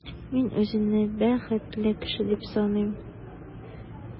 Мин үземне бәхетле кеше дип саныйм.